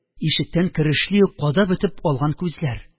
Ишектән керешли үк кадап-өтеп алган күзләр